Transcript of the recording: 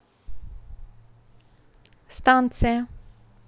станция